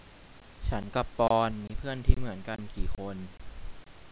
ฉันกับปอนด์มีเพื่อนที่เหมือนกันกี่คน